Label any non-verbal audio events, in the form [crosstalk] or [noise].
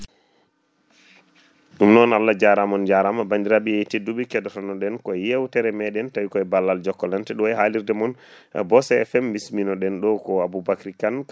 * ɗum non Allah jaarama on jaarama bandiraɓe tedduɓe keɗotono ɗen ko yewtere meɗen tawi koy ballal jokalante ɗo e halirde mon [breath] BOSE FM bismino ɗen ɗo ko Aboubacry Kane